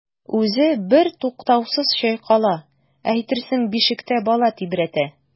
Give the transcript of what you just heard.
Үзе бертуктаусыз чайкала, әйтерсең бишектә бала тибрәтә.